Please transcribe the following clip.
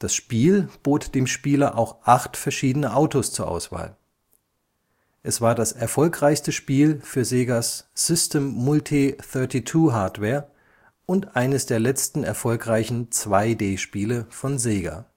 Spiel bot dem Spieler auch acht verschiedene Autos zur Auswahl. Es war das erfolgreichste Spiel für Segas System-Multi-32-Hardware und eines der letzten erfolgreichen 2D-Spiele von Sega